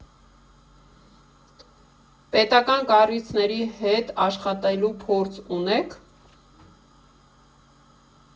Պետական կառույցների հետ աշխատելու փորձ ունե՞ք։